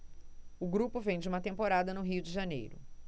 o grupo vem de uma temporada no rio de janeiro